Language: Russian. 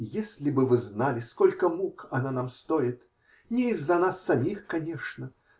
И если бы вы знали, сколько мук она нам стоит! Не из-за нас самих, конечно.